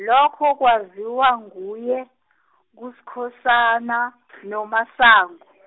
lokho kwaziwa nguye , kuSkhosana , noMasango.